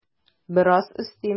Бераз өстим.